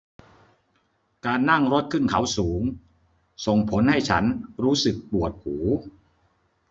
การนั่งรถขึ้นเขาสูงส่งผลให้ฉันรู้สึกปวดหู